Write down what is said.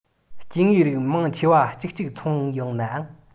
སྐྱེ དངོས རིགས མང ཆེ བ གཅིག གཅིག མཚུངས ཡིན ནའང